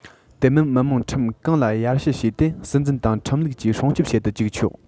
དེ མིན མི དམངས ཁྲིམས གང ལ ཡར ཞུ བྱས ཏེ སྲིད འཛིན དང ཁྲིམས ལུགས ཀྱིས སྲུང སྐྱོབ བྱེད དུ བཅུག ཆོག